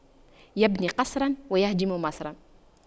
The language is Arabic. يبني قصراً ويهدم مصراً